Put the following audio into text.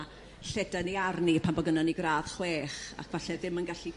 â lle 'dyn ni arni pan bo' gyno ni gradd chwech ac 'falle dim yn gallu